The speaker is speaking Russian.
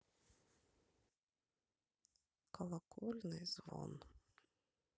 колокольный звон